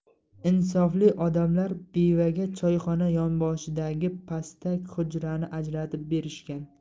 insofli odamlar bevaga choyxona yonboshidagi pastak hujrani ajratib berishgan